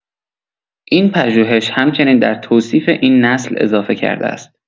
این پژوهش همچنین در توصیف این نسل اضافه کرده است